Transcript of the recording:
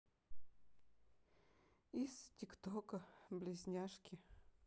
из тиктока близняшки